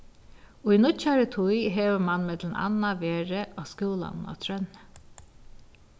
í nýggjari tíð hevur mann millum annað verið á skúlanum á trøðni